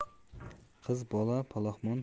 qiz bola palaxmon